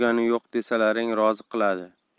yo'q desalaring rozi qiladi